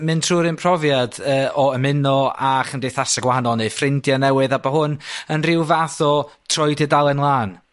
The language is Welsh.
mynd trw'r un profiad yy o ymuno a chymdeithasa' gwahanol neud ffrindie newydd a bo' hwn yn rhyw fath o troi tudalen lân?